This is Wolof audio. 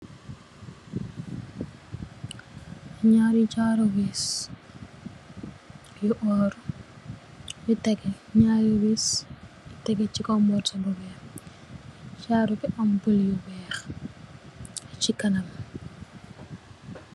Ñaari jaru wiis yu oór yu tegeh, ñaari wiis yu tegeh ci morso bu wèèx. Jaru bi am bul yu wèèx ci kanam.